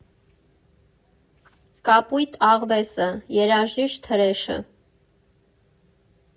«Կապույտ աղվեսը», «Երաժիշտ հրեշը»